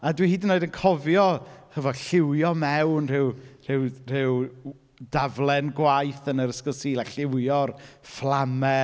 A dwi hyd yn oed yn cofio, hefo lliwio mewn rhyw rhyw rhyw daflen gwaith yn yr ysgol Sul, a lliwio'r fflamau.